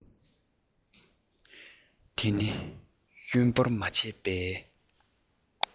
དེ ནི གཡོས སྦྱོར མ བྱས པའི